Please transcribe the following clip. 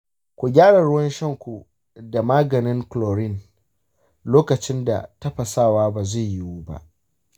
ku gyara ruwan shanku da maganin klorin lokacin da tafasawa ba zai yivu ba.